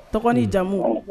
Tɔgɔ jamumu